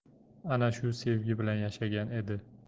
ana shu sevgi bilan yashagan edi